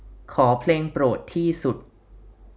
ขอเพลงโปรดที่สุด